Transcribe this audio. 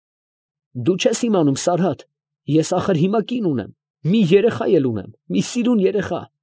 Դու չե՞ս իմանում, Սարհատ, ես ախար հիմա կին ունեմ, մի երեխա էլ ունեմ, մի սիրուն երեխա։